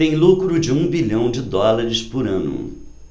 tem lucro de um bilhão de dólares por ano